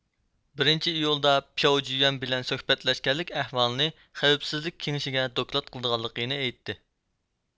بىرىنچى ئىيۇلدا پياۋ جىيۈەن بىلەن سۆھبەتلەشكەنلىك ئەھۋالىنى خەۋپسىزلىك كېڭىشىگە دوكلات قىلىدىغانلىقىنى ئېيتتى